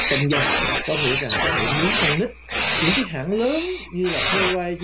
công dân có nghĩa rằng có thể mượn con nít những hãng lớn như là hơ goai